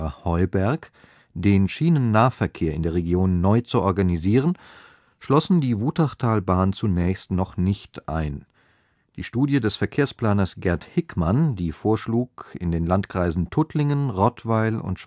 Schwarzwald-Baar-Heuberg, den Schienennahverkehr in der Region neu zu organisieren, schlossen die Wutachtalbahn zunächst noch nicht ein. Die Studie des Verkehrsplaners Gerd Hickmann, die vorschlug, in den Landkreisen Tuttlingen, Rottweil und